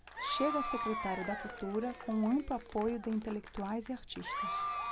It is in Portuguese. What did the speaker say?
chega a secretário da cultura com amplo apoio de intelectuais e artistas